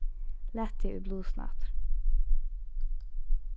lat teg í blusuna aftur